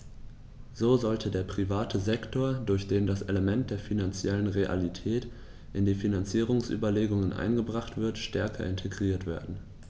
So sollte der private Sektor, durch den das Element der finanziellen Realität in die Finanzierungsüberlegungen eingebracht wird, stärker integriert werden.